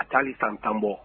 A tɛ hali san 10 bɔ.